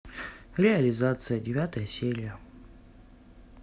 реализация девятая серия